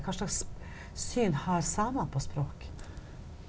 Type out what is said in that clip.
hva slags syn har samene på språk?